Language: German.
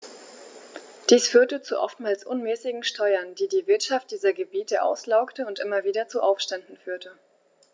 Dies führte zu oftmals unmäßigen Steuern, die die Wirtschaft dieser Gebiete auslaugte und immer wieder zu Aufständen führte.